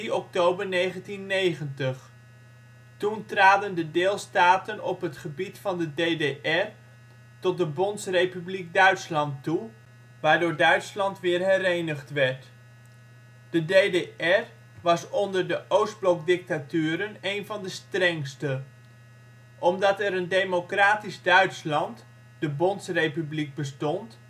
oktober 1990. Toen traden de deelstaten op het gebied van de DDR tot de Bondsrepubliek Duitsland toe, waardoor Duitsland weer herenigd werd. De DDR was onder de Oostblok-dictaturen een van de strengste. Omdat er een democratisch Duitsland (de Bondsrepubliek) bestond